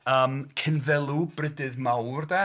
Ymm Cynddelw Brydydd Mawr 'de?